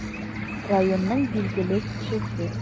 Районның билгеле кешесе.